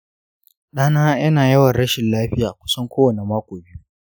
ɗana yana yawan rashin lafiya kusan kowane mako biyu.